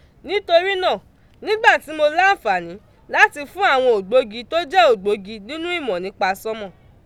Nítorí náà, nígbà tí mo láǹfààní láti fún àwọn ògbógi tó jẹ́ ògbógi nínú ìmọ̀ nípa sọ́nmọ̀n.